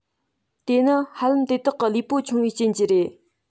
འདི ནི ཧ ལམ དེ དག གི ལུས པོ ཆུང བའི རྐྱེན གྱིས རེད